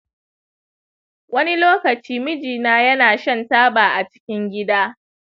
wani lokaci mijina yana shan taba a cikin gida.